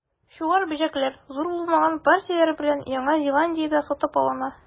Чуар бөҗәкләр, зур булмаган партияләр белән, Яңа Зеландиядә сатып алына.